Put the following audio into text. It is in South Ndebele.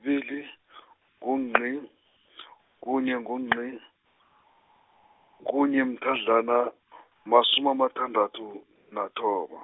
kubili , ngungqi , kunye, ngungqi, kunye, mthadlana , masumi amathandathu, nathoba.